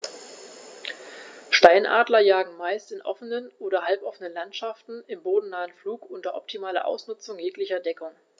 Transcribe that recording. Steinadler jagen meist in offenen oder halboffenen Landschaften im bodennahen Flug unter optimaler Ausnutzung jeglicher Deckung.